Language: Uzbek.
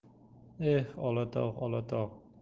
eh olatog' olatog'